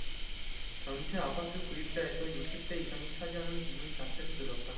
전체 아파트 구입자에서 육십 대 이상이 차지하는 비중 자체도 늘었다